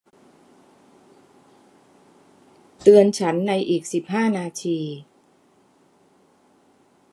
เตือนฉันในอีกสิบห้านาที